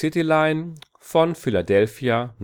der SEPTA